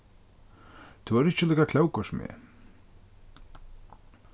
tú ert ikki líka klókur sum eg